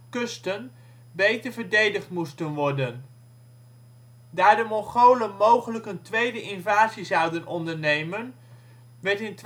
kusten beter verdedigd moesten worden. Daar de Mongolen mogelijk een tweede invasie zouden ondernemen, werd in